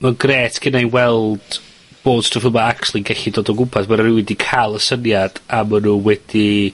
ma'n grêt genna'i weld bod stwff yma actually yn gellu dod o gwmpas, ma' 'na rywun 'di ca'l y syniad, a ma' nw wedi,